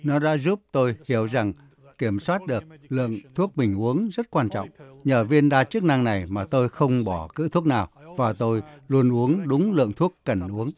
nó đã giúp tôi hiểu rằng kiểm soát được lượng thuốc mình uống rất quan trọng nhờ viên đa chức năng này mà tôi không bỏ cữ thuốc nào và tôi luôn uống đúng lượng thuốc cần uống